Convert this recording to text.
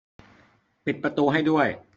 ปิดประตูให้ด้วย